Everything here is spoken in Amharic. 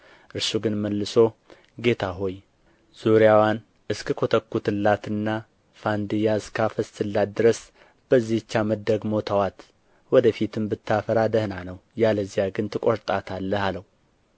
እርሱ ግን መልሶ ጌታ ሆይ ዙሪያዋን እስክኰተኵትላትና ፋንድያ እስካፈስላት ድረስ በዚች ዓመት ደግሞ ተዋት ወደ ፊትም ብታፈራ ደኅና ነው ያለዚያ ግን ትቈርጣታለህ አለው